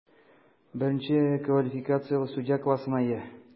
Беренче квалификацияле судья классына ия.